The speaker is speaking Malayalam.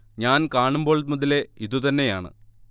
ഞാൻ കാണുമ്പോൾ മുതലേ ഇതു തന്നെയാണ്